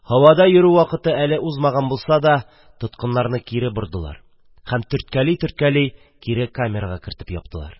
Һавада йөрү вакыты әле узмаган булса да, тоткыннарны кире бордылар һәм төрткәли-төрткәли кире камерага кертеп яптылар.